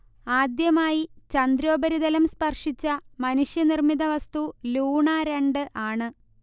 ആദ്യമായി ചന്ദ്രോപരിതലം സ്പർശിച്ച മനുഷ്യനിർമിത വസ്തു ലൂണ രണ്ട് ആണ്